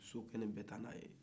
sokɛ in bɛ taa n'a ye yen